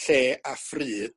lle a phryd